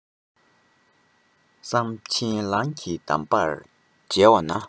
གསང ཆེན ལམ གྱི གདམས པར མཇལ བ ན